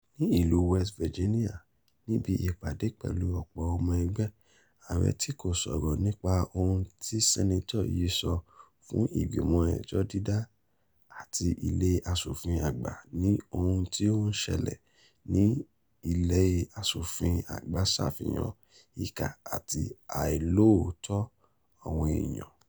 Ní ìlú West Virginia, níbi ìpàdé pẹ̀lú ọ̀pọ̀ ọmọ ẹgbẹ́, Ààrẹ tí kò sọrọ̀ nípa òun tí Sínátọ̀ yí sọ fún ìgbìmọ̀ ẹjọ́ dídá ti Ilé Aṣòfin Àgbà ní ohun tí ó ń ṣẹlẹ̀ ní Ilé Aṣòfin Àgbà ṣàfihàn “ìkà àti àìlóòótó” àwọn èèyàn.